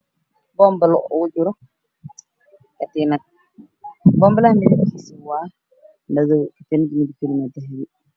Waa bombale oo ku jiro ka tiinad midabkiisa yahay madow kartiinnada waa daabi